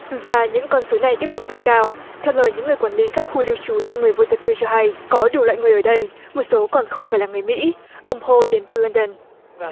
và những con số này tiếp tục tăng cao theo lời những người quản lý các khu lưu trú cho người vô gia cư cho hay có đủ loại người ở đây một số còn không phải là người mỹ ông hôi đến từ luân đôn